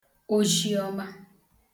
ozhiọma